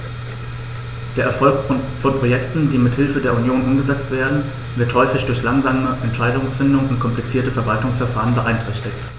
Der Erfolg von Projekten, die mit Hilfe der Union umgesetzt werden, wird häufig durch langsame Entscheidungsfindung und komplizierte Verwaltungsverfahren beeinträchtigt.